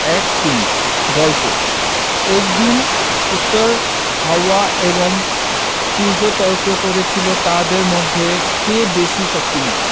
১৩ গল্প একদিন উত্তর হাওয়া এবং সূর্য তর্ক করছিল তাদের মধ্যে কে বেশি শক্তিমান